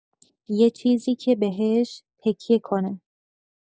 یه چیزی که بهش تکیه کنه.